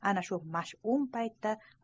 ana shu mash'um paytda